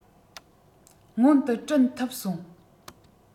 མངོན དུ བྲིན ཐུབ སོང